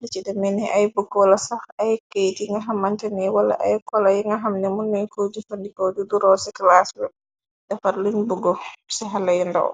Li ci deme ne ay bëggoo la sax ay keyt yi nga xamanteni. Wala ay kola yi nga xamne munuy ko jufandikoo dudduroo ci claas defar luñ buggu ci xale yi ndow.